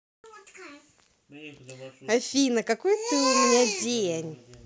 афина какой ты у меня день